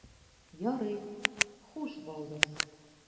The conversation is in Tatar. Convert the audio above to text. Ярый, хуш, балдыз.